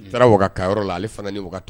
U taara waga kayɔrɔ la ale fana ni wagato